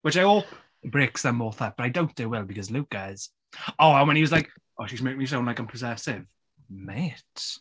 Which I hope breaks them both up but I doubt it will because Luca is... Oh and when she was like "Oh, she's making me sound like I'm possessive." Mate.